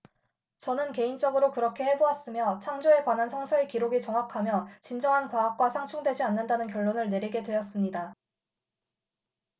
저는 개인적으로 그렇게 해 보았으며 창조에 관한 성서의 기록이 정확하며 진정한 과학과 상충되지 않는다는 결론을 내리게 되었습니다